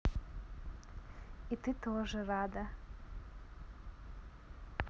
и ты тоже рада